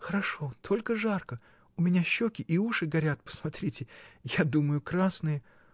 — Хорошо, только жарко, у меня щеки и уши горят, посмотрите: я думаю, красные!